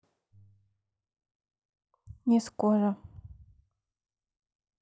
не скоро